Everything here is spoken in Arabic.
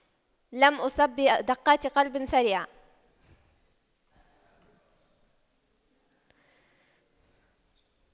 لم أصب بدقات قلب سريعة